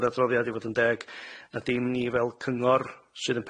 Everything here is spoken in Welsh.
yr adroddiad i fod yn deg na dim ni fel cyngor sydd yn